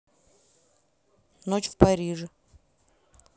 ночь в париже